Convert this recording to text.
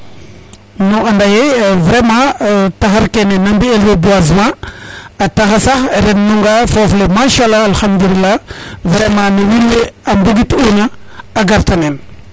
nu nada ye vraiment taxar kene na mbiyel reboisement a taxa sax ren nu nga a foof le machaalah alkhadoulilah vraiment ne wiin we a mbugit una a garta neen